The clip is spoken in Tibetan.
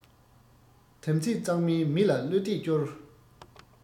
དམ ཚིག གཙང མའི མི ལ བློ གཏད བཅོལ